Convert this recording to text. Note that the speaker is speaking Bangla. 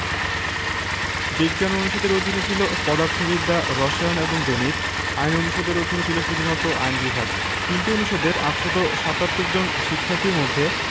বিজ্ঞান অনুষদের অধীনে ছিল পদার্থবিদ্যা রসায়ন এবং গণিত আইন অনুষদের অধীনে ছিল শুধুমাত্র আইন বিভাগ ৩টি অনুষদের ৮৭৭ জন শিক্ষার্থীর মধ্যে